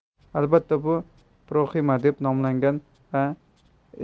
albatta bu proxima deb nomlangan bu